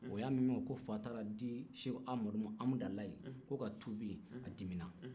o y'a mɛn ko fa taara di seko amadu ma amudalayi ko ka tuubi a dimina